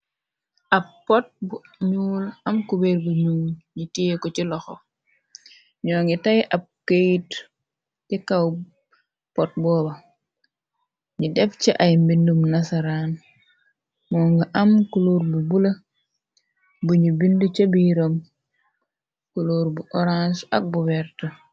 ab pot bu ñuul am kubergu ñu yi teeko ci loxo ñoo ngi tey ab keyt te kaw pot booba ñu def ci ay mbindum nasaraan moo nga am kuluur bu bula buñu bind ca biiram kuluur bu orange ak bu wert